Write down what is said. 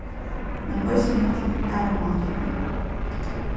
men eisini til aðra máltøkni